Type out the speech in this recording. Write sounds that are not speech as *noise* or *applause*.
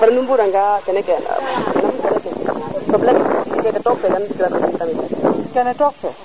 mais aprés nu mburanga kene ke nam a ley tel sonle fe kene took fe *crosstalk*